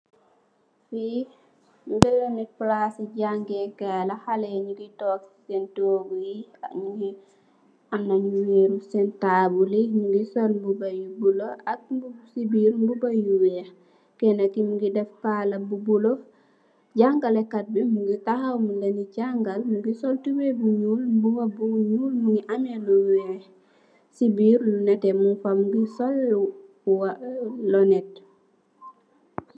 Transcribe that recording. Fi mbèreèm mu palaas ci jangeekaay, haley yi nungi toog ci senn toogu yi, amna nu wèru senn taabul yi, nungi sol mbuba yu bulo ak ci biir mbuba yu weeh. Kenna ki mungi def kala bu bulo. Jàngalekat bi mungi tahaw, mung leen bi jangal, mungi sol tubeye bu ñuul, mbuba bu ñuul, mungi ameh lu weeh ci biir lu nètè mung fa mungi sol lonèt.